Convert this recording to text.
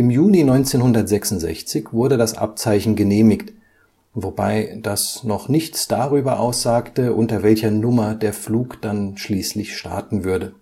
Juni 1966 wurde das Abzeichen genehmigt, wobei das noch nichts darüber aussagte, unter welcher Nummer der Flug dann schließlich starten würde